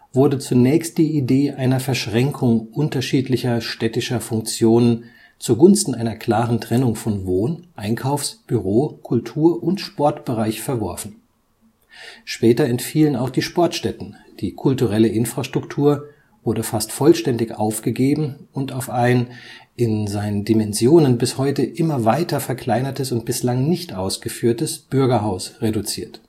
wurde zunächst die Idee einer Verschränkung unterschiedlicher städtischer Funktionen zugunsten einer klaren Trennung von Wohn -, Einkaufs -, Büro -, Kultur - und Sportbereich verworfen; später entfielen auch die Sportstätten, die kulturelle Infrastruktur wurde fast vollständig aufgegeben und auf ein (in seinen Dimensionen bis heute immer weiter verkleinertes und bislang nicht ausgeführtes) Bürgerhaus reduziert